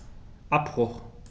Abbruch.